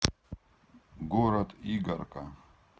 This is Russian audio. город игарка